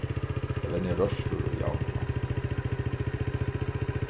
tey venja rørslur og javnvág